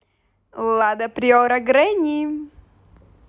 лада приора гренни